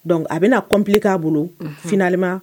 Dɔnku a bɛna cobilen k'a bolo flima